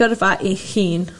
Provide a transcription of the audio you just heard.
gyrfa i'ch hun.